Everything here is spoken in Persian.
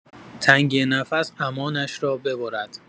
تنگی نفس امانش را ببرد.